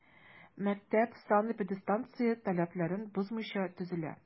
Мәктәп санэпидстанция таләпләрен бозмыйча төзелә.